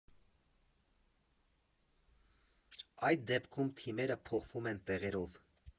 Այդ դեպքում թիմերը փոխվում են տեղերով։